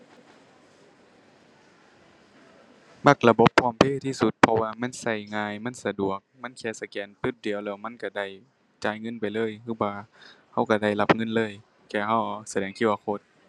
มักระบบ PromptPay ที่สุดเพราะว่ามันใช้ง่ายมันสะดวกมันแค่สแกนปืดเดียวแล้วมันใช้ได้จ่ายเงินไปเลยใช้ว่าใช้ใช้ได้รับเงินเลยแค่ใช้แสดง QR code